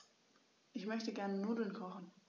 Ich möchte gerne Nudeln kochen.